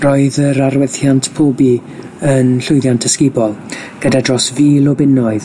Roedd yr arwerthiant pobi yn llwyddiant ysgubol, gyda dros fil o bunnoedd